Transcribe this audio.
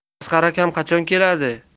asqar akam qachon keladi